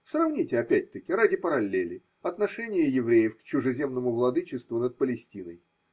Сравните опять-таки, ради параллели, отношение евреев к чужеземному владычеству над Палестиной.